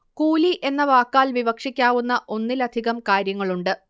കൂലി എന്ന വാക്കാൽ വിവക്ഷിക്കാവുന്ന ഒന്നിലധികം കാര്യങ്ങളുണ്ട്